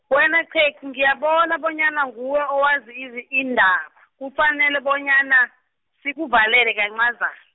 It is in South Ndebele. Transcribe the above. wena qhegu ngiyabona bonyana nguwe owazi izi- indaba kufanele bonyana, sikuvalele kancaza- .